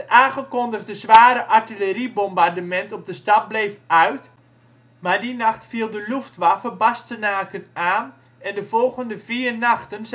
aangekondigde zware artilleriebombardement op de stad bleef uit, maar die nacht viel de Luftwaffe Bastenaken aan en de volgende vier nachten